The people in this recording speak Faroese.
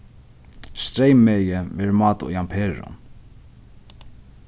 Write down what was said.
streymmegi verður mátað í amperum